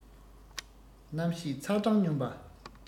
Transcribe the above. གནམ གཤིས ཚ གྲང སྙོམས པ